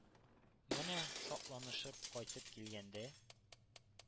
Менә шатланышып кайтып килгәндә,